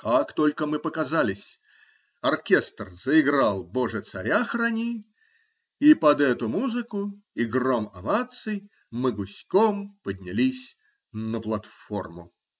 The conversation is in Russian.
Как только мы показались, оркестр заиграл "Боже, царя храни", и под эту музыку и гром оваций мы гуськом поднялись на платформу.